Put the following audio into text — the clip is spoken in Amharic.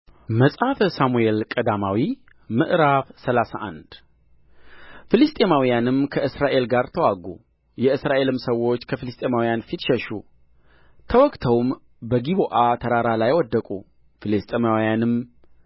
መጽሐፈ ሳሙኤል ቀዳማዊ ምዕራፍ ሰላሳ አንድ ፍልስጥኤማውያንም ከእስራኤል ጋር ተዋጉ የእስራኤልም ሰዎች ከፍልስጥኤማውያን ፊት ሸሹ ተወግተውም በጊልቦዓ ተራራ ላይ ወደቁ ፍልስጥኤማውያንም